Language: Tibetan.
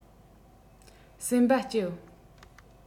སེམས པ སྐྱིད